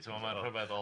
Ti'mod mae'n rhyfeddol.